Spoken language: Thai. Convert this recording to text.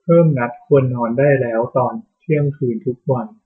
เพิ่มนัดควรนอนได้แล้วตอนเที่ยงคืนทุกวัน